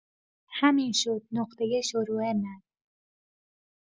همین شد نقطۀ شروع من.